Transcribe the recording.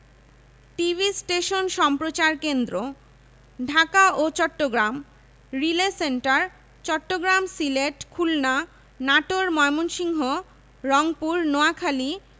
উদ্ভিদঃ মোট প্রায় ৬ হাজার প্রজাতির উদ্ভিদ রয়েছে এর মধ্যে প্রায় ৫ হাজার প্রজাতি সপুষ্পক